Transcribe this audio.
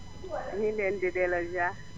ñu ngi leen di delloo ziyaar